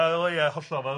Yy o ie hollol.